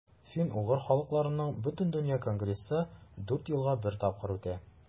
Фин-угыр халыкларының Бөтендөнья конгрессы дүрт елга бер тапкыр үтә.